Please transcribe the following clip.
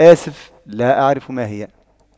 آسف لا اعرف ماهي